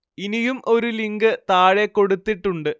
ഇനിയും ഒരു ലിങ്ക് താഴെ കൊടുത്തിട്ടുണ്ട്